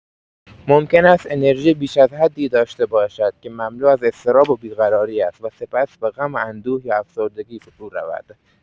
ممکن است انرژی بیش از حدی داشته باشد که مملو از اضطراب و بی‌قراری است و سپس به غم و اندوه یا افسردگی فرورود.